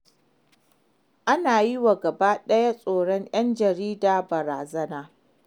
Ana yi wa gaba ɗayan tsaron yan jarida barazana.